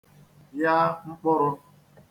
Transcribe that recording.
ya mkpụ̄rụ̄